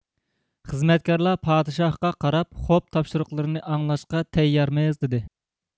خىزمەتكارلار پادىشاھقا قاراپ خوپ تاپشۇرۇقلىرىنى ئاڭلاشقا تەييارمىز دىدى